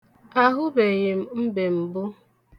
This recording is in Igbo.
Ahụbeghị mbe mbụ.